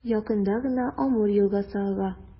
Якында гына Амур елгасы ага.